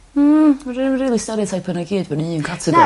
Mm. Ma' ryw rili sterioteipo n'w i gyd mewn i un categori...